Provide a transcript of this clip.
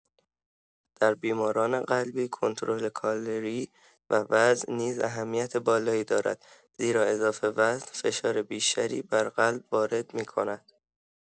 در بیماران قلبی کنترل کالری و وزن نیز اهمیت بالایی دارد، زیرا اضافه‌وزن فشار بیشتری بر قلب وارد می‌کند.